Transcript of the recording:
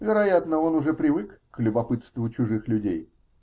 Вероятно, он уже привык к любопытству чужих людей.